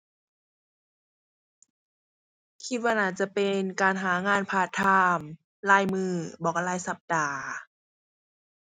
คิดว่าน่าจะเป็นการหางานพาร์ตไทม์รายมื้อบ่ก็รายสัปดาห์